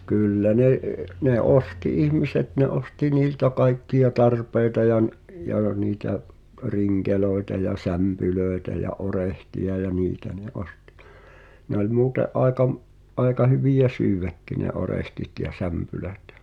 kyllä ne ne osti ihmiset ne osti niiltä kaikkia tarpeita ja - ja niitä rinkeleitä ja sämpylöitä ja orehteja ja niitä ne osti ne oli muuten aika - aika hyviä syödäkin ne orehtit ja sämpylät